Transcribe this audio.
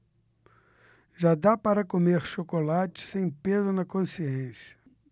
já dá para comer chocolate sem peso na consciência